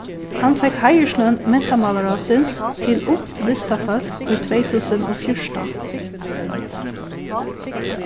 hann fekk heiðursløn mentamálaráðsins til ungt listafólk í tvey túsund og fjúrtan